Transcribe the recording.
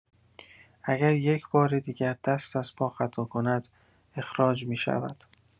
اگر یک‌بار دیگر دست از پا خطا کند، اخراج می‌شود.